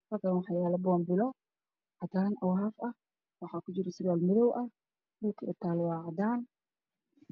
Halkan waxyalo bobilo cadan oo haf ah waxa kujiro sarwal madow ah dhulka eey talo waa cadan